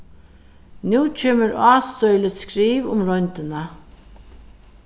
nú kemur ástøðiligt skriv um royndina